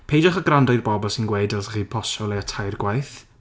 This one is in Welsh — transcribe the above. Peidiwch a gwrando i'r bobl sy'n gweud dylsech chi postio o leiaf tair gwaith...